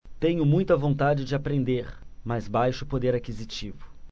tenho muita vontade de aprender mas baixo poder aquisitivo